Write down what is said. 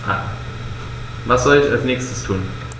Was soll ich als Nächstes tun?